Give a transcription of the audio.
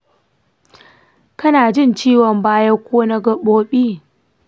kana jin ciwon baya ko na gaɓoɓi?